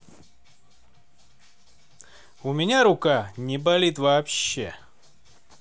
у меня рука не болит вообще